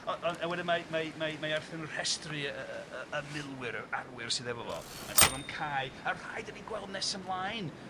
o- on' a wedyn mae mae mae mae Arthur yn rhestru yy yy y milwyr, yr arwyr sydd efo fo, mae'n sôn am Cai, a rhai 'dan ni'n gweld nes ymlaen